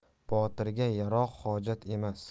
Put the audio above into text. botirga yaroq hojat emas